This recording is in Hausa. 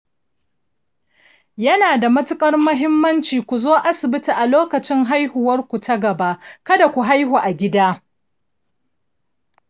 ya na da matuƙar muhimmanci ku zo asibiti a lokacin haihuwarku ta gaba, ka da ku haihu a gida